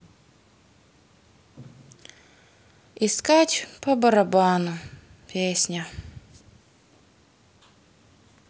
искать по барабану песня